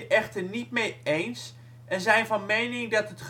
echter niet mee eens en zijn van mening dat